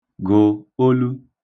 gụ̀ olu